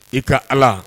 I ka ala